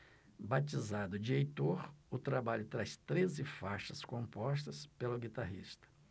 batizado de heitor o trabalho traz treze faixas compostas pelo guitarrista